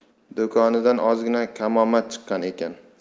do'konidan ozgina kamomad chiqqan ekan